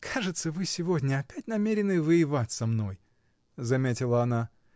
— Кажется, вы сегодня опять намерены воевать со мной? — заметила она.